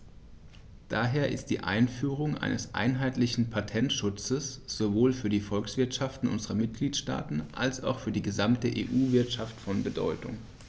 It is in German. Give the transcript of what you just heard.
Daher ist die Einführung eines einheitlichen Patentschutzes sowohl für die Volkswirtschaften unserer Mitgliedstaaten als auch für die gesamte EU-Wirtschaft von Bedeutung.